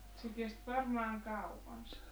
se kesti varmaan kauan se